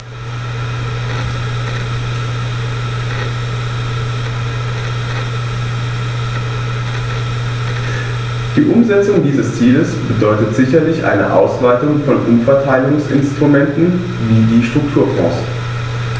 Die Umsetzung dieses Ziels bedeutet sicherlich eine Ausweitung von Umverteilungsinstrumenten wie die Strukturfonds.